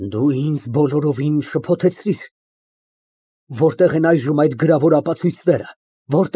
Դու ինձ բոլորովին շփոթեցրիր։ Որտե՞ղ են այժմ այդ գրավոր ապացույցները։